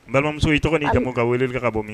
N balimamuso i tɔgɔ ni jamu ka weeleli ka bɔ min?